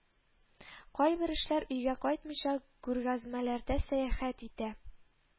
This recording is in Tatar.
Кайбер эшләр өйгә кайтмыйча күргәзмәләрдә сәяхәт итә